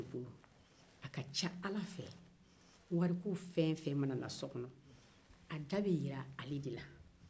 a ka ca ala fɛ wariko fɛn o fɛn mana na so kɔnɔ a da bɛ jira ale de la